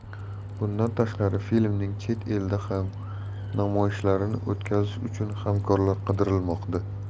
bundan tashqari filmning chet elda ham namoyishlarini o'tkazish uchun hamkorlar qidirilmoqda